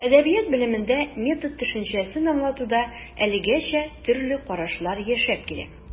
Әдәбият белемендә метод төшенчәсен аңлатуда әлегәчә төрле карашлар яшәп килә.